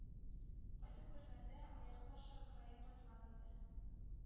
Кайтып кергәндә, аяклар шакыраеп каткан иде.